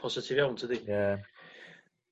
positif iawn tydi? Ie.